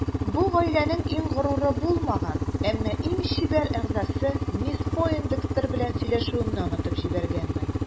Бу гаиләнең иң горуры булмаган, әмма иң чибәр әгъзасы мисс Пойндекстер белән сөйләшүемне онытып җибәргәнмен.